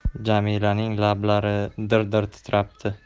jamilaning lablari dir dir titrabdi